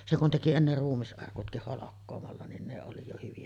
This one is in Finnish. se kun teki ennen ruumisarkutkin holkkaamalla niin ne oli jo hyviä